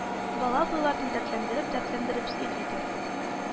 Бала боларны дәртләндереп-дәртләндереп сөйли дә: